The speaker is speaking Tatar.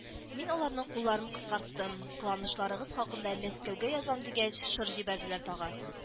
Мин аларның кулларын кыскарттым, кыланышларыгыз хакында Мәскәүгә язам, дигәч, шыр җибәрделәр тагы